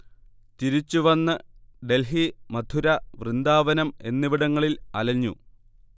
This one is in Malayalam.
തിരിച്ചുവന്ന് ഡൽഹി, മഥുര, വൃന്ദാവനം എന്നിവിടങ്ങളിൽ അലഞ്ഞു